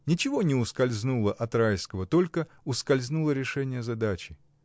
Ничего не ускользнуло от Райского, только ускользнуло решение задачи.